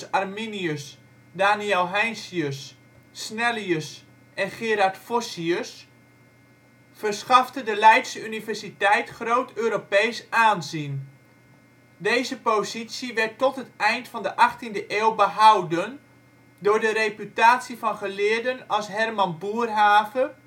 Arminius, Daniël Heinsius, Snellius en Gerard Vossius verschafte de Leidse universiteit groot Europees aanzien. Deze positie werd tot het eind van de 18e eeuw behouden door de reputatie van geleerden als Herman Boerhaave